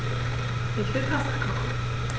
Ich will Pasta kochen.